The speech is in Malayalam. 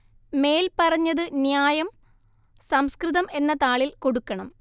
മേൽ പറഞ്ഞത് ന്യായം സംസ്കൃതം എന്ന താളിൽ കൊടുക്കണം